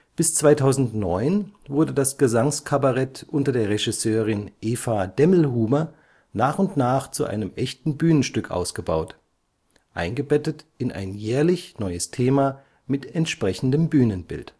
Bis 2009 wurde das Gesangskabarett unter der Regisseurin Eva Demmelhuber nach und nach zu einem echten Bühnenstück ausgebaut, eingebettet in ein jährlich neues Thema mit entsprechendem Bühnenbild